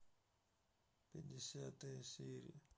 пятьдесятая серия